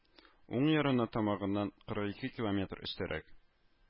Уң ярына тамагыннан кырык ике километр өстәрәк